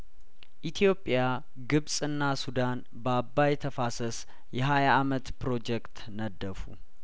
ኢትዮጵያ ግብጽና ሱዳን በአባይ ተፋሰስ የሀያ አመት ፕሮጀክት ነደፉ